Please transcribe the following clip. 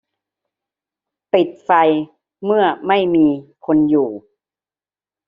ปิดไฟเมื่อไม่มีคนอยู่